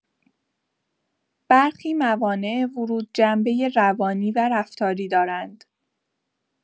برخی موانع ورود، جنبه روانی و رفتاری دارند.